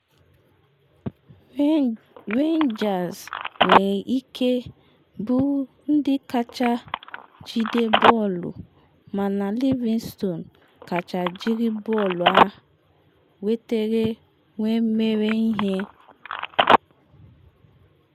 Rangers nwere ike bụrụ ndị kacha jide bọọlụ mana Livingston kacha jiri bọọlụ ha nwetere wee mere ihe.